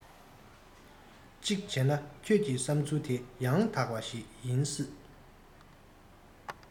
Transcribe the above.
གཅིག བྱས ན ཁྱོད ཀྱི བསམས ཚུལ དེ ཡང དག པ ཞིག ཡིན སྲིད